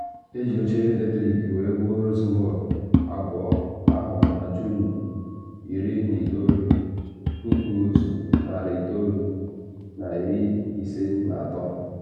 Eji oche latrik wee gbuo Rosenberg abụọ ahụ na Juun 19, 1953.